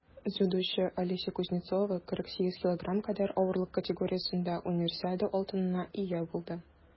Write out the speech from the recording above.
Дзюдочы Алеся Кузнецова 48 кг кадәр авырлык категориясендә Универсиада алтынына ия булды.